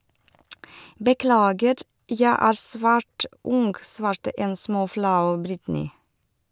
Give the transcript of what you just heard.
- Beklager, jeg er svært ung, svarte en småflau Britney.